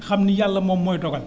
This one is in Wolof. xam ni yàlla moom mooy dogal